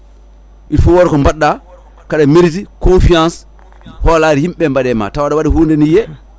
il faut wooda ko baɗɗa kaɗa mérite i confiance hoolare yimɓe mbaɗema tawa aɗa waɗa hunde ne yiiye